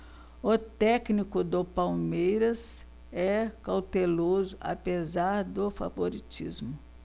o técnico do palmeiras é cauteloso apesar do favoritismo